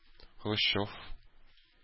Хрущев